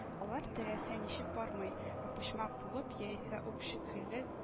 Алар теләсә ничек бармый, ә почмак булып, яисә ук шикелле